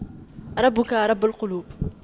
ربك رب قلوب